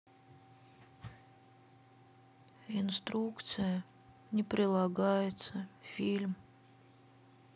инструкция не прилагается фильм